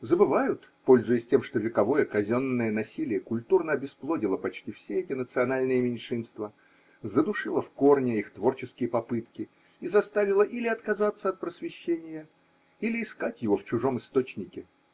Забывают, пользуясь тем, что вековое казенное насилие культурно обесплодило почти все эти национальные меньшинства, задушило в корне их творческие попытки и заставило – или отказаться от просвещения, или искать его в чужом источнике.